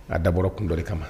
A dabɔ kun dɔ de kama ma